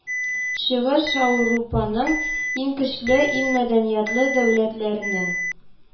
Чыгыш аурупаның иң көчле, иң мәдәниятле дәүләтләренең